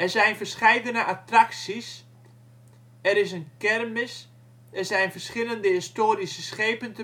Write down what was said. zijn verscheidene attracties er is een Kermis er zijn verschillende historische schepen